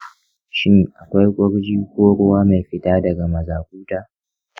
shin akwai kurji ko ruwa mai fita daga mazaƙuta?